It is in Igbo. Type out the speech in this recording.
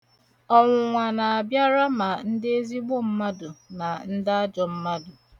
Ọnwụnwa na-abịara ma ndị ezigbo mmadụ na ndị ajọ mmadụ.